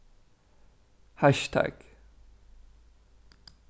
hassjtagg